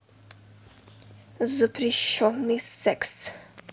запрещенный секс